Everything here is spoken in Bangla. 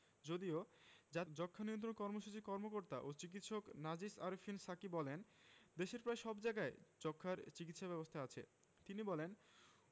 যদিও জাতীয় যক্ষ্মা নিয়ন্ত্রণ কর্মসূচির কর্মকর্তা ও চিকিৎসক নাজিস আরেফিন সাকী বলেন দেশের প্রায় সব জায়গায় যক্ষ্মার চিকিৎসা ব্যবস্থা আছে তিনি বলেন